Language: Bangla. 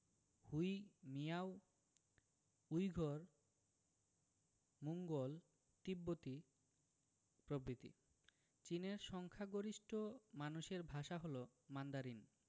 হুই মিয়াও উইঘুর মোঙ্গল তিব্বতি প্রভৃতি চীনের সংখ্যাগরিষ্ঠ মানুষের ভাষা হলো মান্দারিন